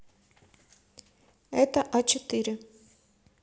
это а четыре